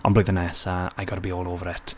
Ond blwyddyn nesa, I gotta be all over it.